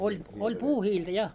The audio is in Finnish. oli oli puuhiiltä ja